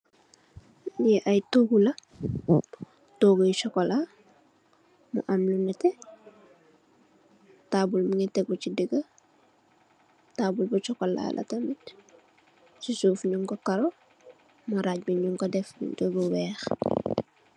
Lii ay toogu la, toogu yu sokola, mu am lu nete, taabul mingi teggu si digge, taabul bu sokola la tamit, si suuf nyun ko karo, maraaj bi nyun ko def pintir bu weex.